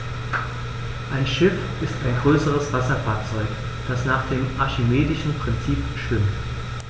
Ein Schiff ist ein größeres Wasserfahrzeug, das nach dem archimedischen Prinzip schwimmt.